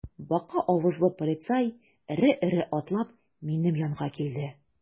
Бака авызлы полицай эре-эре атлап минем янга килде.